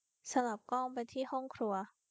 สลับกล้องไปที่ห้องครัว